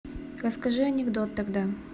расскажи анекдот тогда